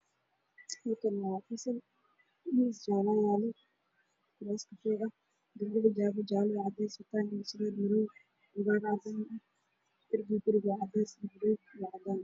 Waa gabdho xijaabo jaale ah wataan